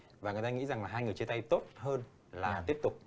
và người ta nghĩ rằng là hai người chia tay tốt hơn là tiếp tục